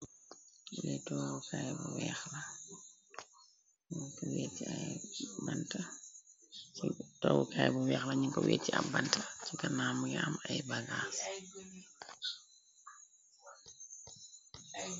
Togukaay bu weexla ñu ko wéeti ab bant ci kanaam gi am ay baggaas.